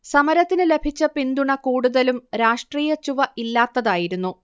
സമരത്തിന് ലഭിച്ച പിന്തുണ കൂടുതലും രാഷ്ട്രീയച്ചുവ ഇല്ലാത്തതായിരുന്നു